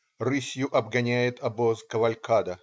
Рысью обгоняет обоз кавалькада.